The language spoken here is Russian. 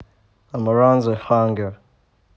amaranthe hunger